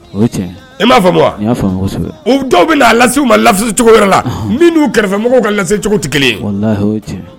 Oye tiɲɛ ye. I m'a faamu wa? y'a faamu kosɛbɛ. Dɔw bɛn'a lase u ma laseli cogo la minnu kɛrɛfɛ mɔgɔw ka laseli tɛ kelen ye